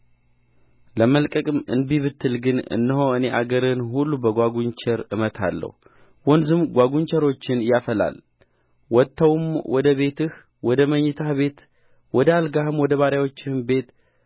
ለመልቀቅ እንቢ ብትል ግን እነሆ እኔ አገርህን ሁሉ በጓጕንቸሮች እመታለሁ ወንዙም ጓጕንቸሮችን ያፈላል ወጥተውም ወደ ቤትህ ወደ መኝታ ቤትህ ወደ አልጋህም ወደ ባሪያዎችህም ቤት